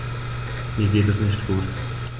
Mir geht es nicht gut.